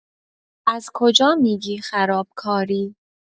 از کجا می‌گی خرابکاری؟